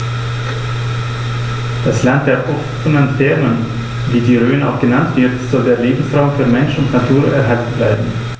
Das „Land der offenen Fernen“, wie die Rhön auch genannt wird, soll als Lebensraum für Mensch und Natur erhalten werden.